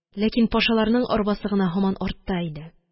Ләкин Пашаларның арбасы гына һаман артта иде